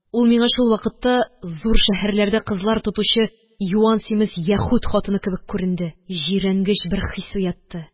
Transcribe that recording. Ул миңа шул вакытта зур шәһәрләрдә кызлар тотучы юан симез яһүд хатыны кебек күренде. Җирәнгеч бер хис уятты